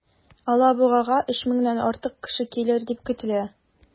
Алабугага 3 меңнән артык кеше килер дип көтелә.